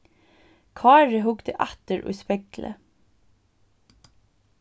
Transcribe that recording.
kári hugdi aftur í speglið